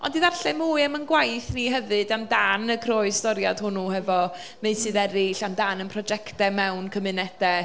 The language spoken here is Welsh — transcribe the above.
Ond i ddarllen mwy am ein gwaith ni hefyd amdan y croesdoriad hwnnw hefo meysydd eraill, amdan ein prosiectau mewn cymunedau.